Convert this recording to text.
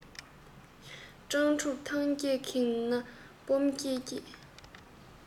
སྤྲང ཕྲུག ཐང རྒྱལ ཁེངས ནས སྦོ འགྱེད འགྱེད